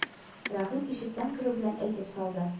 Рәхим ишектән керү белән әйтеп салды: